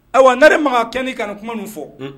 Ayiwa nere makan kɛ ni ka kuma min fɔ